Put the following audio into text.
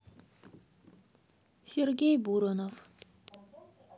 сергей бурунов